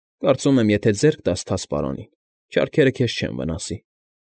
Կարծում եմ, եթե ձեռք տաս թաց պարանին, չարքերը քեզ չեն վնասի։